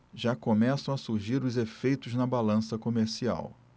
já começam a surgir os efeitos na balança comercial